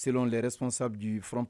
Selen de sonsan bi ftu